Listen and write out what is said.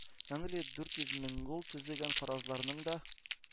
Англия – дүрт йөз меңул төзегән фаразларның да